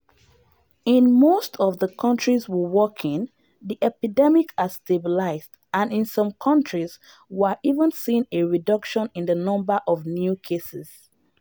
In most of the countries we work in, the epidemic has stabilised, and in some countries we are even seeing a reduction in the number of new cases.